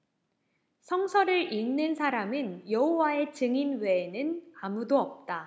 성서를 읽는 사람은 여호와의 증인 외에는 아무도 없다